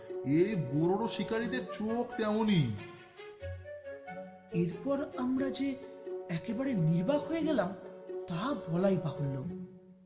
এই বোরোরো শিকারীদের চোখ তেমনি এরপর আমরা যে একেবারে নির্বাক হয়ে গেলাম তা বলা বাহুল্য